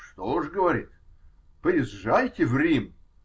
-- Что ж, -- говорит, -- поезжайте в Рим.